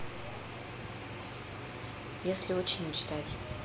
если очень мечтать